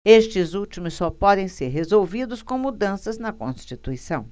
estes últimos só podem ser resolvidos com mudanças na constituição